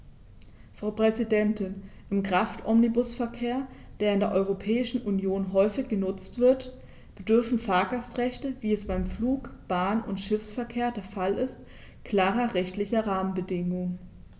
Frau Präsidentin, im Kraftomnibusverkehr, der in der Europäischen Union häufig genutzt wird, bedürfen Fahrgastrechte, wie es beim Flug-, Bahn- und Schiffsverkehr der Fall ist, klarer rechtlicher Rahmenbedingungen.